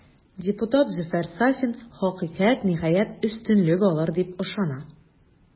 Депутат Зөфәр Сафин, хакыйкать, ниһаять, өстенлек алыр, дип ышана.